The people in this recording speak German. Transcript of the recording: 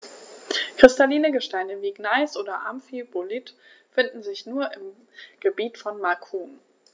Kristalline Gesteine wie Gneis oder Amphibolit finden sich nur im Gebiet von Macun.